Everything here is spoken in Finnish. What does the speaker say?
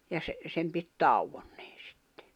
ja se sen piti tauonneen sitten